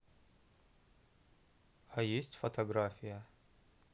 а есть фотография